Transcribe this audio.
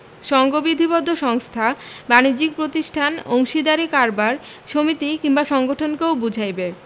সংবিধিবদ্ধ সংস্থা বাণিজ্যিক প্রতিষ্ঠান অংশীদারী কারবার সমিতি বা সংগঠনকেও বুঝাইবে